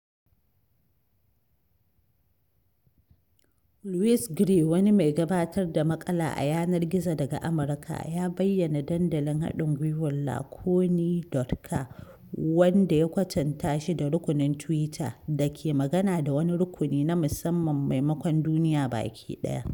Louis Gray, wani mai gabatar da maƙala a yanar gizo daga Amurka, ya bayyana dandalin haɗin gwiwar Laconi.ca, wanda ya kwatanta shi da "rukunin Twitter" – da ke magana da wani rukuni na musamman maimakon duniya baki ɗaya.